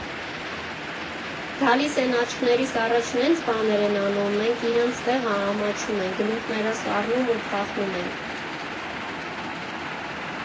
Գալիս են աչքներիս առաջ նենց բաներ են անում, մենք իրանց տեղը ամաչում ենք, գլուխներս առնում ու փախնում ենք։